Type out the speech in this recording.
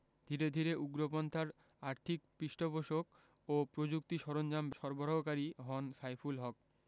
ধীরে ধীরে উগ্রপন্থার আর্থিক পৃষ্ঠপোষক ও প্রযুক্তি সরঞ্জাম সরবরাহকারী হন সাইফুল হক